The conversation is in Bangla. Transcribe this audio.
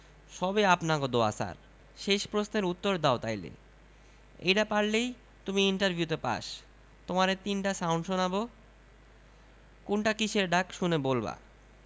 সবই আপনাগো দোয়া ছার শেষ প্রশ্নের উত্তর দাও তাইলে এইডা পারলেই তুমি ইন্টার ভিউতে পাস তোমারে তিনটা সাউন্ড শোনাবো কোনটা কিসের ডাক শুনে বলবা